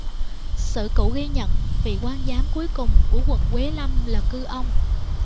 sử cũ ghi nhận vị quan giám cuối cùng của quận quế lâm là cư ông